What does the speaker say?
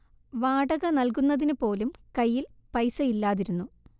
വാടക നൽകുന്നതിന് പോലും കൈയിൽ പൈസയില്ലാതിരുന്നു